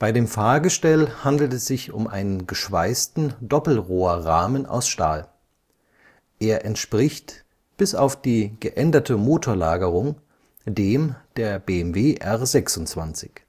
dem Fahrgestell handelt es sich um einen geschweißten Doppelrohrrahmen aus Stahl. Er entspricht, bis auf die geänderte Motorlagerung, dem der BMW R 26.